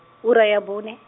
ura ya bone.